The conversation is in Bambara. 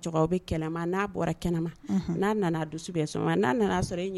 Nana